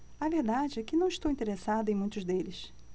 a verdade é que não estou interessado em muitos deles